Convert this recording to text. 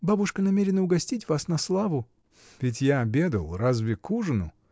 — Бабушка намерена угостить вас на славу. — Ведь я обедал. Разве к ужину?